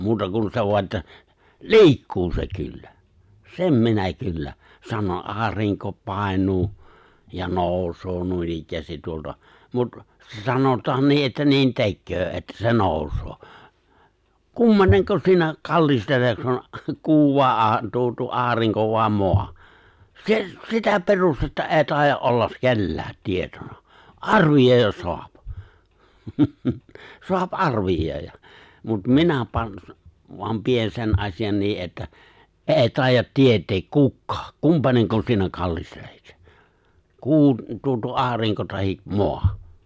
muuta kuin sen vain että liikkuu se kyllä sen minä kyllä sanon aurinko painuu ja nousee noinikään tuolta mutta sanotaan niin että niin tekee että se nousee kumpainenko siinä kallistelee kuu vai - tuo tuo aurinko vai maa - sitä perustetta ei taida olla kenelläkään tietona arvioida saa saa arvioida mutta minä panen vaan pidän sen asian niin että ei taida tietää kukaan kumpainenko siinä kallistelee kuu tuo tuo aurinko tai maa